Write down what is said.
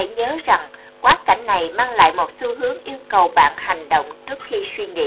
hãy nhớ rằng quá cảnh này mang lại một xu hướng yêu cầu bạn hành động trước khi suy nghĩ